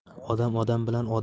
odam odam bilan